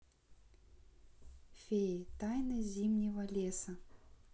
феи тайна зимнего леса